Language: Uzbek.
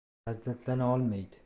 lazzatlana olmaydi